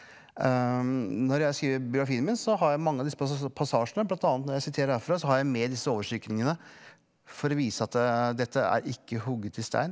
når jeg skriver biografien min så har jeg mange av disse passasjene bl.a. når jeg siterer herfra så har jeg med disse overstrykningene for å vise at dette er ikke hugget i stein.